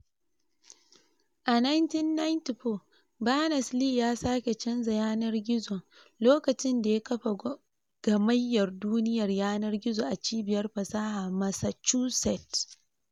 A cikin 'yan watanni, Berners-Lee ya kasance mai babbar murya a cikin muhawarar rashin daidaito.